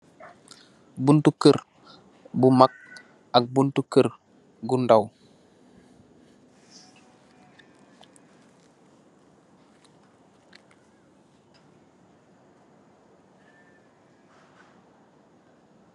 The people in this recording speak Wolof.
Buttu kér bu mag ak buttu kér bu ndaw.